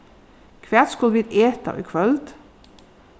hvat skulu vit eta í kvøld